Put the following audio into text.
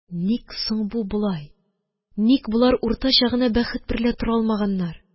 «ник соң бу болай? ник болар уртача гына бәхет берлә тора алмаганнар?